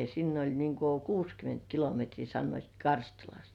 sinne oli niin kuin kuusikymmentä kilometriä sanoivat Karstulasta